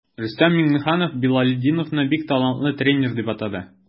Рөстәм Миңнеханов Билалетдиновны бик талантлы тренер дип атады.